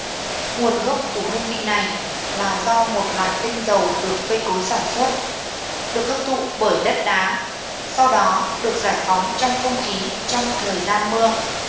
nguồn gốc của hương vị này là do một loại tinh dầu được cây cối sản xuất được hấp thụ bởi đất đá sau đó được giải phóng trong không khí trong thời gian mưa